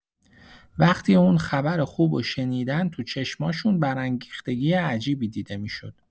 وقتی اون خبر خوبو شنیدن، تو چشماشون برانگیختگی عجیبی دیده می‌شد.